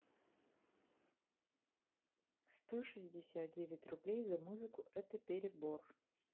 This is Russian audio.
сто шестьдесят девять рублей за музыку это перебор